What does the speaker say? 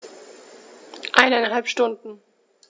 Eineinhalb Stunden